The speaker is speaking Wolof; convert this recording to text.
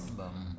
Ba hum